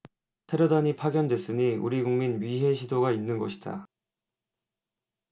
테러단이 파견됐으니 우리국민 위해 시도가 있는 것이다